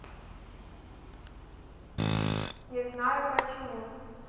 не знаю почему